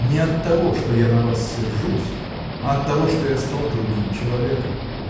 не оттого, что я на вас сержусь, а оттого, что я стал другим человеком.